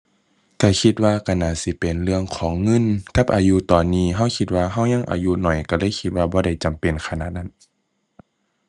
ก็คิดว่าก็น่าสิเป็นเรื่องของเงินกับอายุตอนนี้ ก็คิดว่าก็ยังอายุน้อยก็เลยคิดว่าบ่ได้จำเป็นขนาดนั้น